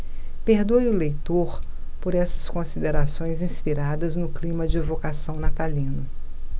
perdoe o leitor por essas considerações inspiradas no clima de evocação natalino